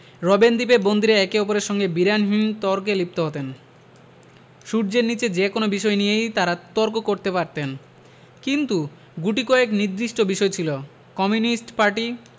Robben দ্বীপে বন্দীরা একে অপরের সঙ্গে বিরামহীন তর্কে লিপ্ত হতেন সূর্যের নিচে যেকোনো বিষয় নিয়েই তাঁরা তর্ক করতে পারতেন কিন্তু গুটিকয়েক নির্দিষ্ট বিষয় ছিল কমিউনিস্ট পার্টি